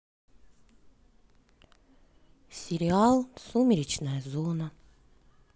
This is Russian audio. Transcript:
сериал сумеречная зона